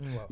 waa